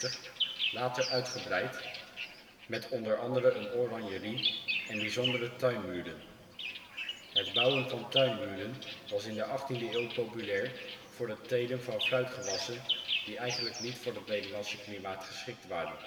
1669, later uitgebreid met onder andere een oranjerie en bijzondere tuinmuren. Het bouwen van tuinmuren was in de 18e eeuw populair voor het telen van fruitgewassen die eigenlijk niet voor het Nederlandse klimaat geschikt waren